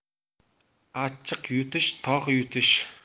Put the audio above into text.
achchiq yutish tog' yutish